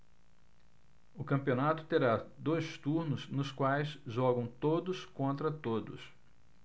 o campeonato terá dois turnos nos quais jogam todos contra todos